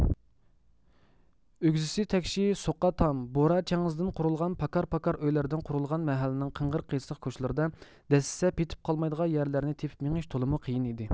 ئۆگزىسى تەكشى سوققا تام بورا چەڭزىدىن قۇرۇلغان پاكار پاكار ئۆيلەردىن قۇرۇلغان مەھەللىنىڭ قىڭغىر قىيسىق كوچىلىرىدا دەسسىسە پېتىپ قالمايدىغان يەرلەرنى تېپىپ مېڭىش تولىمۇ قىيىن ئىدى